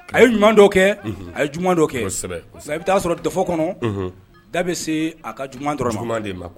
A ye ɲuman dɔw kɛ, unhun , a ye juguma dɔw kɛ, juguman dɔ kɛ , kosɛbɛ, sisan i bɛ taa sɔrɔ dɔfoi kɔnɔ da bɛ se a kan juguman dɔrɔn de ma.